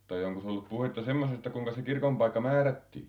tai onkos ollut puhetta semmoisesta kuinka se kirkon paikka määrättiin